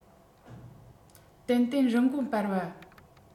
ཏན ཏན རིན གོང སྤར བ